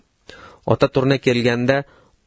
ona turna kelganda